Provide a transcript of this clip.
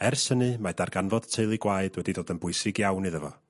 Ers hynny mae darganfod teulu gwaed wedi dod yn bwysig iawn iddo fo.